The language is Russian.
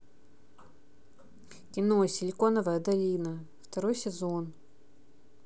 кино силиконовая долина второй сезон